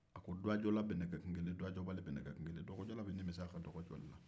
dɔgɔjɔra bɛ nimisa a ka dɔgɔ jɔ la